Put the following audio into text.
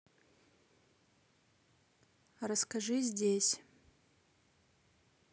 расскажи здесь